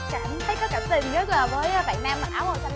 cảm thấy có cảm tình nhất là với a bạn nam mặc áo màu